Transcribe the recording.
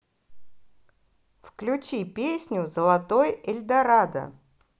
включи песню золотой эльдорадо